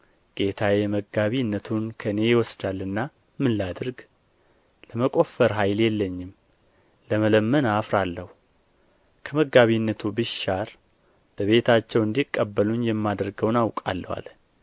ጌታዬ መጋቢነቱን ከእኔ ይወስዳልና ምን ላድርግ ለመቈፈር ኃይል የለኝም መለመንም አፍራለሁ ከመጋቢነቱ ብሻር በቤታቸው እንዲቀበሉኝ የማደርገውን አውቃለሁ አለ